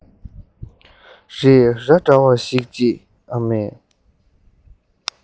རེད ར འདྲ བ ཞིག ཅེས ཨ མས